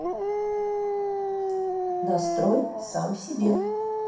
настрой сам себе